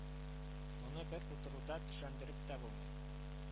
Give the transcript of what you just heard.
Моны бер утыруда төшендереп тә булмый